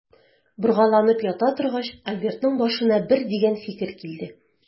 Боргаланып ята торгач, Альбертның башына бер дигән фикер килде.